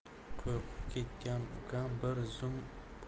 qo'rqib ketgan ukam bir